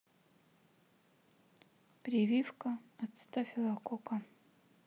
прививка от стафилококка